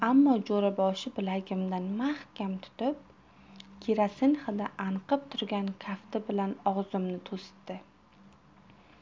ammo jo'raboshi bilagimdan mahkam tutib kerosin hidi anqib turgan kafti bilan og'zimni to'sdi